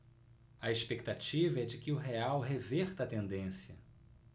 a expectativa é de que o real reverta a tendência